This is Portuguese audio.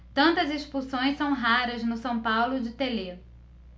tantas expulsões são raras no são paulo de telê